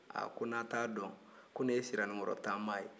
ko n'a t'a dɔn ko nin ye siranokɔrɔ tanba ye